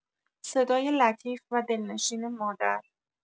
صدای لطیف و دلنشین مادر